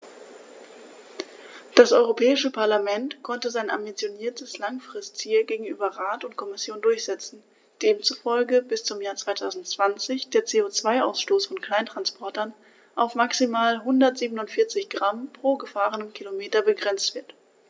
Das Europäische Parlament konnte sein ambitioniertes Langfristziel gegenüber Rat und Kommission durchsetzen, demzufolge bis zum Jahr 2020 der CO2-Ausstoß von Kleinsttransportern auf maximal 147 Gramm pro gefahrenem Kilometer begrenzt wird.